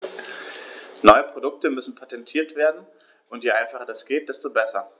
Neue Produkte müssen patentiert werden, und je einfacher das geht, desto besser.